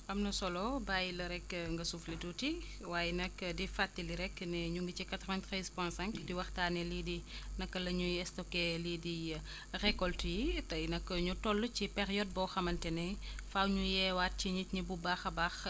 am na solo bàyyi la rek nga soufflé tuuti waaye nag di fàttali rek ne ñu ngi ci 93 point 5 di waxtaanee lii di naka la ñuy stocké lii di récoltes yi tey nag ñu toll ci période boo xamante ne faaw ñu yeewaat ci nit ñi bu baax a baax